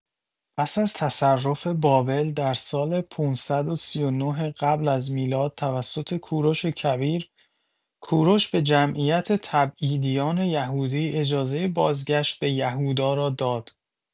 پس از تصرف بابل در سال ۵۳۹ قبل از میلاد توسط کوروش کبیر، کوروش به جمعیت تبعیدیان یهودی اجازه بازگشت به یهودا را داد.